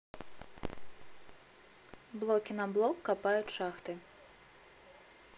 блоки на блок копают шахты